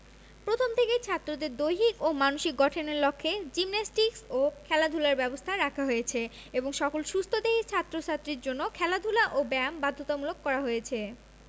প্রথম থেকেই ছাত্রদের দৈহিক ও মানসিক গঠনের লক্ষ্যে জিমনাস্টিকস ও খেলাধুলার ব্যবস্থা রাখা হয়েছে এবং সকল সুস্থদেহী ছাত্র ছাত্রীর জন্য খেলাধুলা ও ব্যায়াম বাধ্যতামূলক করা হয়েছে